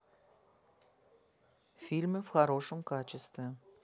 фильмы в хорошем качестве